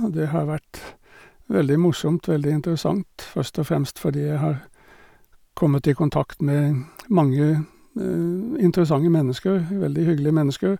Og det har vært veldig morsomt, veldig interessant, først og fremst fordi jeg har kommet i kontakt med mange interessante mennesker, veldig hyggelige mennesker.